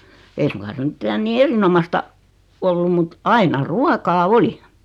ei suinkaan se mitään niin erinomaista ollut mutta aina ruokaa oli